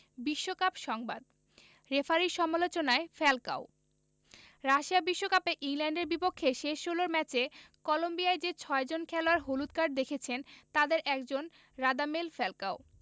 বিশ্বকাপ সংবাদ রেফারির সমালোচনায় ফ্যালকাও রাশিয়া বিশ্বকাপে ইংল্যান্ডের বিপক্ষে শেষ ষোলোর ম্যাচে কলম্বিয়ার যে ছয়জন খেলোয়াড় হলুদ কার্ড দেখেছেন তাদের একজন রাদামেল ফ্যালকাও